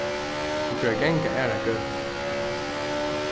hon fer at ganga aðrar gøtur